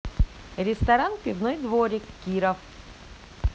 ресторан пивной дворик киров